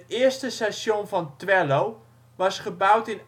eerste station van Twello was gebouwd in